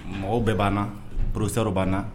Mɔgɔw bɛɛ b'an na professeur w b'an na